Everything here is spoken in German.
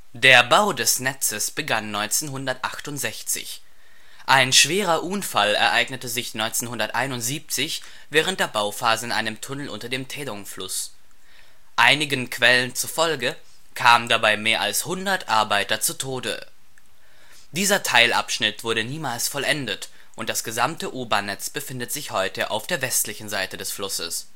Der Bau des Netzes begann 1968. Ein schwerer Unfall ereignete sich 1971 während der Bauphase in einem Tunnel unter dem Taedong-Fluss. Einigen Quellen zufolge kamen dabei mehr als 100 Arbeiter zu Tode. Dieser Teilabschnitt wurde niemals vollendet und das gesamte U-Bahn-Netz befindet sich heute auf der westlichen Seite des Flusses